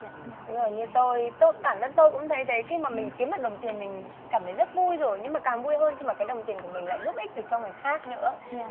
rồi như tôi tôi bản thân tôi cũng thấy đấy khi mà mình kiếm được đồng tiền mình cảm thấy rất vui rồi nhưng mà càng vui hơn khi mà cái đồng tiền của mình lại giúp ích cho người khác nữa